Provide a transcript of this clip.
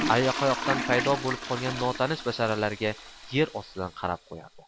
allaqayoqdan paydo bo'lib qolgan notanish basharalarga yer ostidan qarab qo'yardi